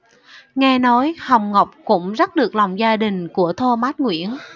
nghe nói hồng ngọc cũng rất được lòng gia đình của thomas nguyễn